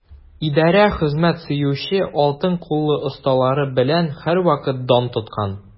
Идарә хезмәт сөюче, алтын куллы осталары белән һәрвакыт дан тоткан.